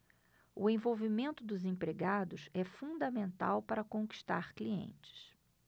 o envolvimento dos empregados é fundamental para conquistar clientes